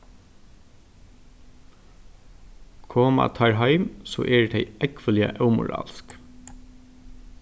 koma teir heim so eru tey ógvuliga ómoralsk